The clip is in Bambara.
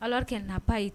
Alors qu'elle n'a pas é